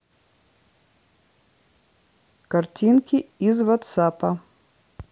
картинки из ватсапа